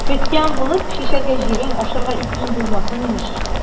Крестьян булып, чәчәргә җирең, ашарга ипиең булмасын, имеш.